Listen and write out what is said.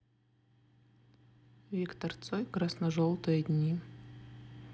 виктор цой красно желтые дни